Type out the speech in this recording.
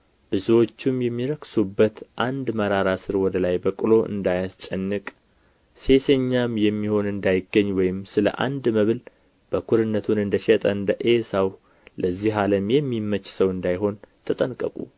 ብዙዎቹም የሚረክሱበት አንድ መራራ ሥር ወደ ላይ በቅሎ እንዳያስጨንቅ ሴሰኛም የሚሆን እንዳይገኝ ወይም ስለ አንድ መብል በኵርነቱን እንደ ሸጠ እንደ ዔሳው ለዚህ ዓለም የሚመች ሰው እንዳይሆን ተጠንቀቁ